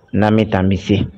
N'an bɛ taa misi se